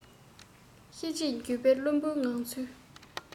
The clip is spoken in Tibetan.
ཤེས རྗེས འགྱོད པ བླུན པོའི ངང ཚུལ